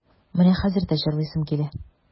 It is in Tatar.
Менә хәзер дә җырлыйсым килә.